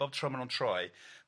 Bob tro ma' nw'n troi.